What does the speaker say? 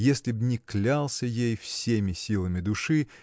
если б не клялся ей всеми силами души